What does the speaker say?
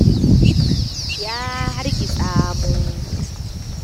Ya hargitsa mu.